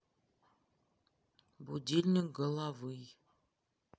будильник головый